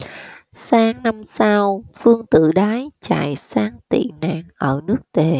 sang năm sau vương tử đái chạy sang tị nạn ở nước tề